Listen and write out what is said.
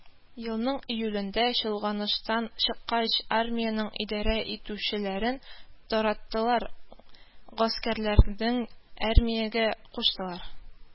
Елның июлендә, чолганыштан чыккач, армиянең идарә итүчеләрен тараттылар, гаскәрләрнен армиягә куштылар